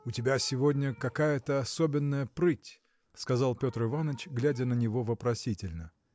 – У тебя сегодня какая-то особенная прыть – сказал Петр Иваныч глядя на него вопросительно.